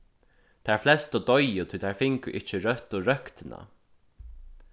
tær flestu doyðu tí tær fingu ikki røttu røktina